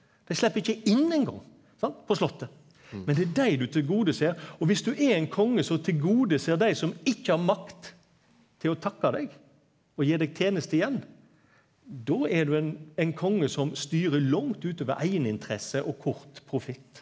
dei slepp ikkje inn ein gong sant på slottet men det er dei du tilgodeser, og viss du er ein konge som tilgodeser dei som ikkje har makt til å takka deg og gje deg tenester igjen, då er du ein ein konge som styrer langt utover eigeninteresse og kort profitt.